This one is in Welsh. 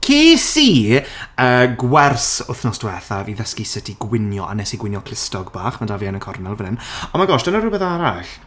Ces i yy gwers wythnos diwetha i ddysgu sut i gwinio, a wnes i gwnïo clustog bach, ma' 'da fi yn y cornel fan hyn. Oh my gosh, dyna rywbeth arall...